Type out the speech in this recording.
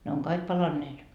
ne on kaikki palaneet